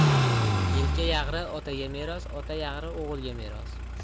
yelka yag'ri otaga meros ota yag'ri o'g'ilga meros